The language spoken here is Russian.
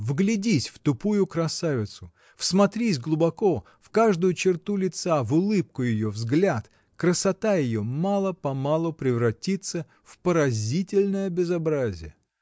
Вглядись в тупую красавицу, всмотрись глубоко в каждую черту лица, в улыбку ее, взгляд — красота ее мало-помалу превратится в поразительное безобразие.